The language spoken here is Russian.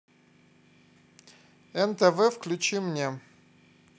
нтв включи мне